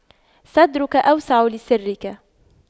صدرك أوسع لسرك